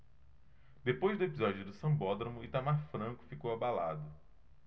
depois do episódio do sambódromo itamar franco ficou abalado